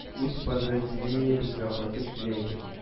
Үз подразделениебезгә кайтып килә идек